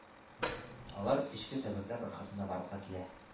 Алар эчке сәбәпләр аркасында барлыкка килә